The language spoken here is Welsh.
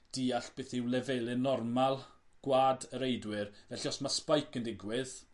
deall beth yw lefele normal gwa'd y reidwyr felly os ma' spike yn digwydd